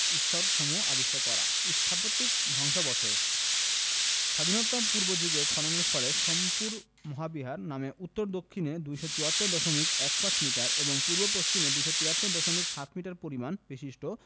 স্তরসমূহ আবিষ্কার করা স্থাপত্যিক ধ্বংসাবশেষ: স্বাধীনতা পূর্ব যুগের খননের ফলে সোমপুর মহাবিহার নামে উত্তর দক্ষিণে ২৭৪ দশমিক এক পাঁচ মিটার ও পূর্ব পশ্চিমে ২৭৩ দশমিক সাত মিটার পরিমাপ বিশিষ্ট